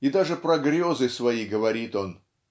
и даже про грезы свои говорит он